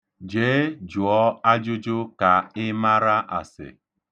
Jee jụọ ajụjụ ka ị mara ase.